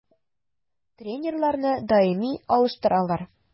Тренерларны даими алыштыралар.